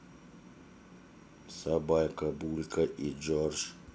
собака булька и джордж